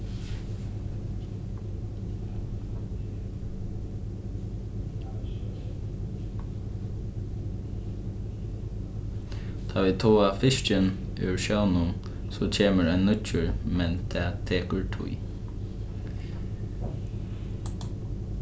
tá vit toga fiskin úr sjónum so kemur ein nýggjur men tað tekur tíð